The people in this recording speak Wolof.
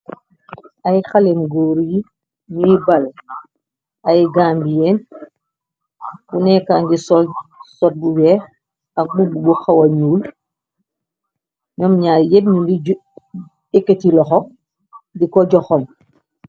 Ay xale yu goor yi ñuy bal ay gambiyeen ku nekka ngi sol sut bu weex ak bubb bu xawañyuul ñoom ñaay yéb ñu li ekati loxo di ko joxon.